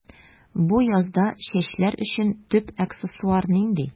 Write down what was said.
Бу язда чәчләр өчен төп аксессуар нинди?